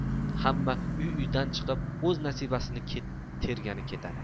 hamma uy uyidan chiqib o'z nasibasini tergani ketadi